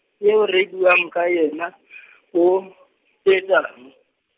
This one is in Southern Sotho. eo re buang ka yena , o etsang?